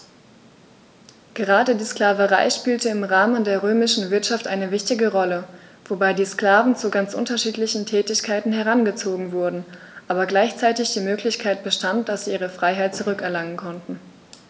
Gerade die Sklaverei spielte im Rahmen der römischen Wirtschaft eine wichtige Rolle, wobei die Sklaven zu ganz unterschiedlichen Tätigkeiten herangezogen wurden, aber gleichzeitig die Möglichkeit bestand, dass sie ihre Freiheit zurück erlangen konnten.